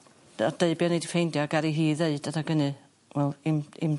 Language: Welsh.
dy- a deu be o'n i 'di ffeindio ag aru hi ddeud adag ynny wel 'im 'im...